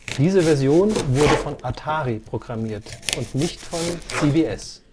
Diese Version wurde von Atari programmiert und nicht von CBS